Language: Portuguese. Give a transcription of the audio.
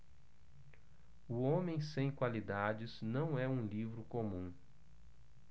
o homem sem qualidades não é um livro comum